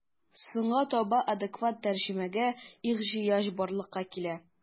Соңга таба адекват тәрҗемәгә ихҗыяҗ барлыкка килә.